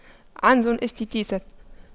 عنز استتيست